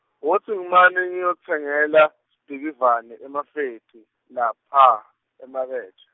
wotsi ngimane ngiyotsengela, Sibhikivane emafeti, lapha, emakethe.